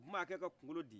o tun b' a kɛ ka kunkolo di